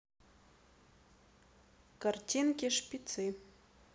картинки шпицы